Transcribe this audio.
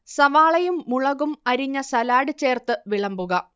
സവാളയും മുളകും അരിഞ്ഞ സലാഡ് ചേർത്ത് വിളമ്പുക